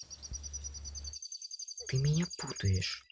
ты что то путаешь